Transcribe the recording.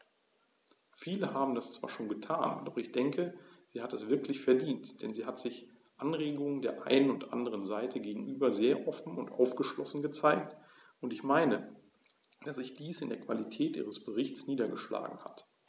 Viele haben das zwar schon getan, doch ich denke, sie hat es wirklich verdient, denn sie hat sich Anregungen der einen und anderen Seite gegenüber sehr offen und aufgeschlossen gezeigt, und ich meine, dass sich dies in der Qualität ihres Berichts niedergeschlagen hat.